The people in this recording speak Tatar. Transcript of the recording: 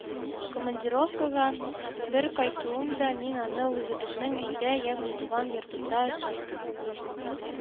Командировкага бер кайтуымда мин аны үзебезнең өйдә, ягъни туган йортымда очраттым